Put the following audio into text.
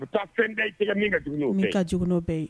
N bɛ taa fɛn bɛɛ tigɛ min ka n bɛ taa jugu bɛɛ ye